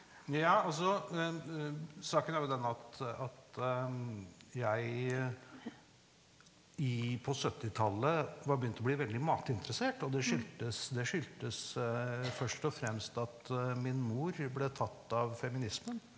ja altså saken er jo den at at jeg i på syttitallet var begynt å bli veldig matinteressert og det skyldtes det skyldtes først og fremst at min mor ble tatt av feminismen.